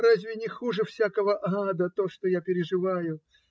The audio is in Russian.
Разве не хуже всякого ада то, что я переживаю?